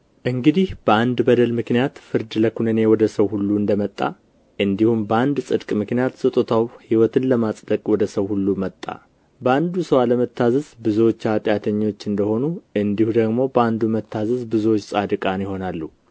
እንግዲህ በአንድ በደል ምክንያት ፍርድ ለኵነኔ ወደ ሰው ሁሉ እንደ መጣ እንዲሁም በአንድ ጽድቅ ምክንያት ስጦታው ሕይወትን ለማጽደቅ ወደ ሰው ሁሉ መጣ በአንዱ ሰው አለመታዘዝ ብዙዎች ኃጢአተኞች እንደ ሆኑ እንዲሁ ደግሞ በአንዱ መታዘዝ ብዙዎች ጻድቃን ይሆናሉ